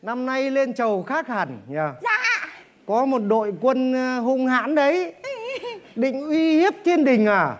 năm nay lên chầu khác hẳn nhở có một đội quân hung hãn đấy định uy hiếp thiên đình à